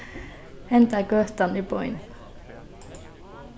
henda gøtan er bein